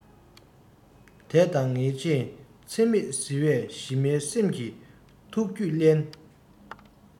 དད དང ངེས འབྱུང འཚེ མེད ཟིལ བས ཞི བའི སེམས ཀྱི ཐུགས རྒྱུད བརླན